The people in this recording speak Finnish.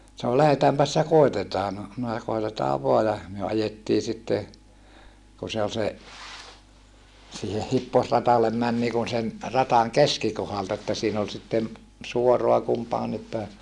sanoi lähdetäänpäs ja koetetaan no minä - koetetaan vain ja me ajettiin sitten kun se oli se siihen hipposradalle meni niin kuin sen radan keskikohdalta että siinä oli sitten suoraa kumpaankin päin